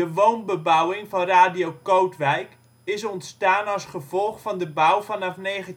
woonbebouwing van Radio Kootwijk is ontstaan als gevolg van de bouw vanaf 1918